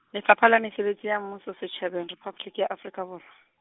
Lefapha la Mesebetsi ya Mmuso Setjhabeng Rephaboliki ya Afrika Borwa.